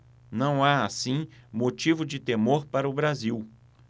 não há assim motivo de temor para o brasil